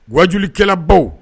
Gajlikɛla baw